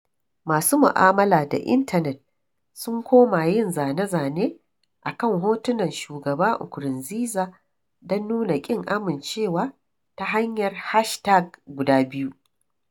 Masu mu'amala da intanet sun koma yin zane-zane a kan hotunan Shugban Nkurunziza don nuna ƙin amincewa ta hanyar hashtag guda biyu